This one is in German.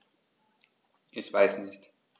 Ich weiß nicht.